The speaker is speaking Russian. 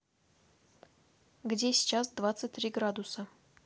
где сейчас двадцать три градуса